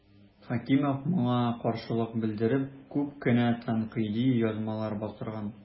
Хәкимов моңа каршылык белдереп күп кенә тәнкыйди язмалар бастырган.